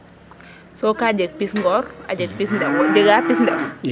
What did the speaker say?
So ka jeg pis ngoor a jeg pis ndew, jegaa pis ngoor?